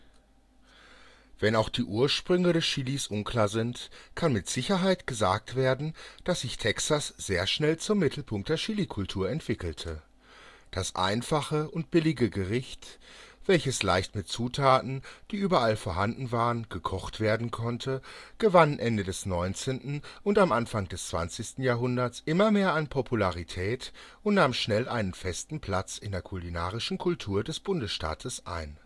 Wenn auch die Ursprünge des Chilis unklar sind, kann mit Sicherheit gesagt werden, dass sich Texas sehr schnell zum Mittelpunkt der Chilikultur entwickelte. Das einfache und billige Gericht, welches leicht mit Zutaten, die überall vorhanden waren, gekocht werden konnte, gewann Ende des 19. und Anfang des 20. Jahrhunderts immer mehr an Popularität und nahm schnell einen festen Platz in der kulinarischen Kultur des Bundesstaates ein